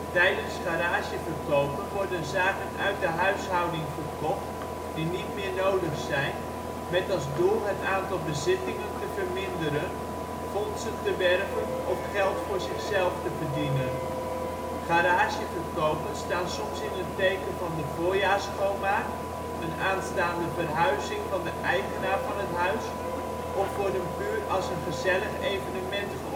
Tijdens garageverkopen worden zaken uit de huishouding verkocht die niet meer nodig zijn, met als doel het aantal bezittingen te verminderen, fondsen te werven of geld voor zichzelf te verdienen. Garageverkopen staan soms in het teken van de voorjaarsschoonmaak, een aanstaande verhuizing van de eigenaar van het huis of worden puur als een gezellig evenement